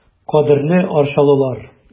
Кадерле арчалылар!